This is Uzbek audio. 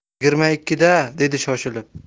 yigirma ikkida dedi shoshilib